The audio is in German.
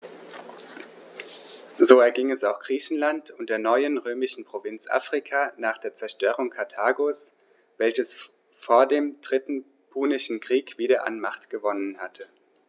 So erging es auch Griechenland und der neuen römischen Provinz Afrika nach der Zerstörung Karthagos, welches vor dem Dritten Punischen Krieg wieder an Macht gewonnen hatte.